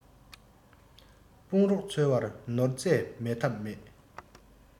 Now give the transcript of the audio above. དཔུང རོགས འཚོལ བར ནོར རྫས མེད ཐབས མེད